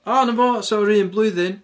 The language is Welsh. O 'na fo! so yr un blwyddyn